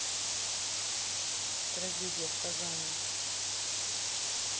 трагедия в казани